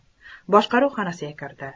boshqaruv xonasiga kirdi